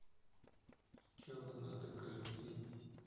че вы натыкали блин